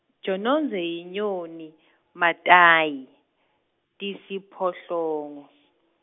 Tjonodze yinyoni Mantayi, Tisiphohlongo.